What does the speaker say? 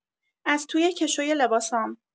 از توی کشوی لباسام